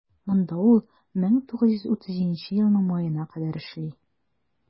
Монда ул 1937 елның маена кадәр эшли.